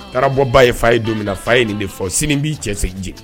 Taarabɔba ye f faa ye don min na fa ye nin bɛ fɔ sini b'i cɛ seginji